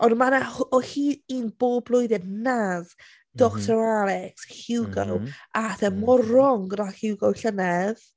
Ond ma' 'na h- o hyd un bob blwyddyn Nav... m-hm ...Dr Alex, Hugo... m-hm ...aeth e mor wrong gyda Hugo llynedd.